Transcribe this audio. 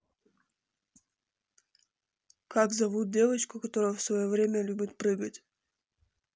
как зовут девочку которая в свое время любит прыгать